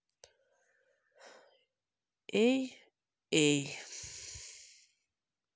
эй эй